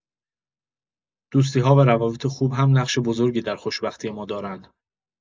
دوستی‌ها و روابط خوب هم نقش بزرگی در خوشبختی ما دارن.